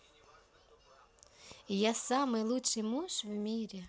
я самый лучший муж в мире